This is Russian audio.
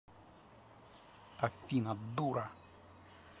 афина дура